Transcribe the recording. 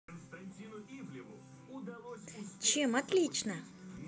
чем отлично